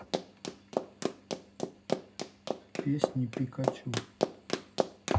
песни пикачу